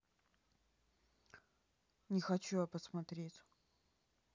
не хочу я посмотреть